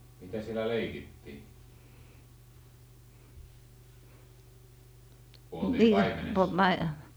mitä siellä leikittiin kun oltiin paimenessa